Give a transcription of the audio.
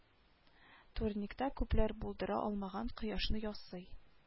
Турникта күпләр булдыра алмаган кояшны ясый